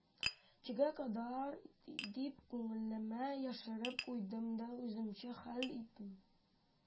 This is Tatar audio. Чегә кадәр дип күңеләмә яшереп куйдым да үземчә хәл иттем